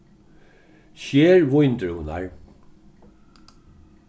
sker víndrúvurnar